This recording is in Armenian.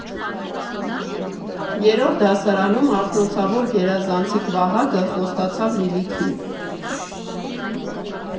Երրորդ դասարանում ակնոցավոր գերազանցիկ Վահագը խոստացավ Լիլիթին.